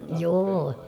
joo